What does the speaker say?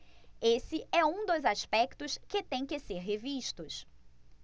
esse é um dos aspectos que têm que ser revistos